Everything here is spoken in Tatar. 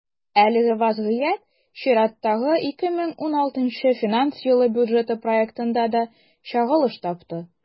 Әлеге вазгыять чираттагы, 2016 финанс елы бюджеты проектында да чагылыш тапты.